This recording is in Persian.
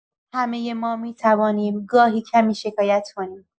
همه ما می‌توانیم گاهی کمی شکایت کنیم.